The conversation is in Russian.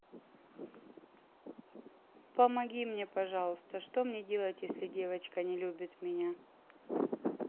помоги мне пожалуйста что мне делать если девочка не любит меня